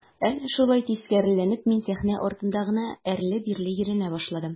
Әнә шулай тискәреләнеп мин сәхнә артында гына әрле-бирле йөренә башладым.